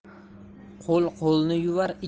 qo'l qo'lni yuvar